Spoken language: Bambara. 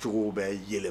Cogo bɛ yɛlɛ